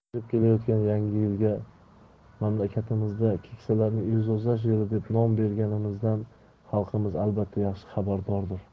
kirib kelayotgan yangi yilga mamlakatimizda keksalarni e'zozlash yili deb nom berganimizdan xalqimiz albatta yaxshi xabardordir